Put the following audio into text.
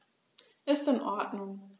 Ist in Ordnung.